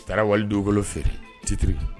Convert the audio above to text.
U taara walidenwkolo fɛ citiriri